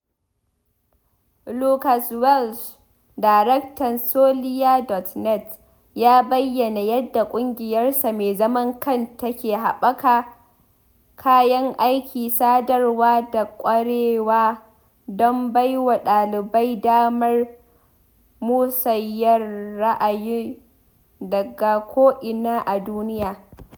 Lucas Welsh, Daraktan Soliya.net, ya bayyana yadda ƙungiyarsa mai zaman kanta ke haɓaka kayan aikin sadarwa da ƙwarewa don bai wa ɗalibai damar musayar ra'ayoyi daga ko'ina a duniya.